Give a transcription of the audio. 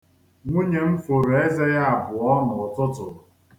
Nwunye m foro eze ya abụọ n'ụtụtụ.